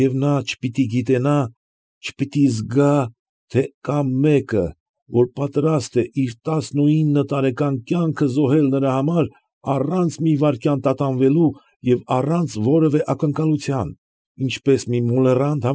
Եվ նա չպիտի գիտենա, չպիտի զգա, թե կա մեկը, որ պատրաստ է իր տասնուինը տարեկան կյանքը զոհել նրա համար առանց մի վայրկյան տատանվելու և առանց որևէ ակնկալության, ինչպես մի մոլեռանդ։